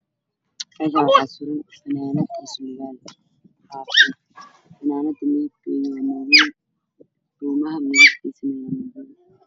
Meshan waxa suran fananad io sirwal haf ah fananada midabkedu waa madow sarwalkan waa madow